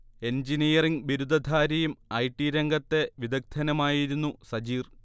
Engineering ബിരുദധാരിയും I. T രംഗത്തെ വിദഗ്ദനുമായിരുന്നു സജീർ